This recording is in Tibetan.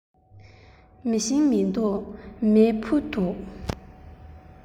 མེ ཤིང མི འདུག མེ ཕུ འདུག